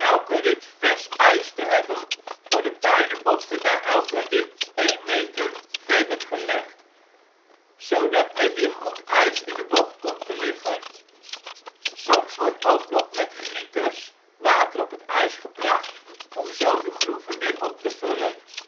elke rit ' vers ' ijs te hebben worden beide bochten na elke rit één meter verder gelegd, zodat er weer goed ijs in de bocht komt te liggen. Soms wordt ook nog met gieters water op het ijs gebracht om zo de groeven weer op te vullen